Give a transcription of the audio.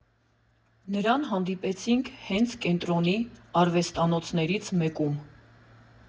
Նրան հանդիպեցինք հենց կենտրոնի արվեստանոցներից մեկում։